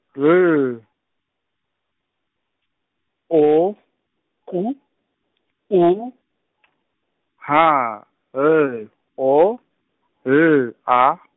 L, O, K, U , H, L, O, L, A.